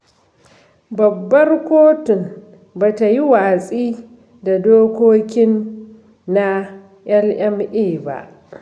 Babbar Kotun ba ta yi watsi da dokokin na LMA ba.